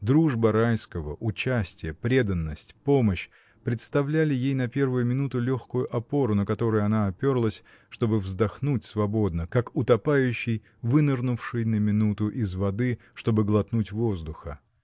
Дружба Райского, участие, преданность, помощь — представляли ей на первую минуту легкую опору, на которую она оперлась, чтобы вздохнуть свободно, как утопающий, вынырнувший на минуту из воды, чтобы глотнуть воздуха.